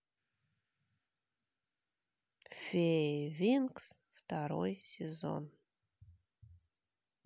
феи винкс второй сезон